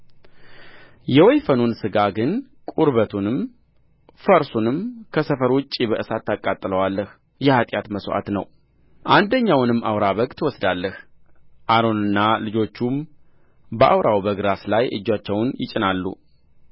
የወይፈኑን ሥጋ ግን ቁርበቱንም ፈርሱንም ከሰፈር ውጭ በእሳት ታቃጥለዋለህ የኃጢአት መሥዋዕት ነው አንደኛውንም አውራ በግ ትወስደዋለህ አሮንና ልጆቹም በአውራው በግ ራስ ላይ እጆቻቸውን ይጭናሉ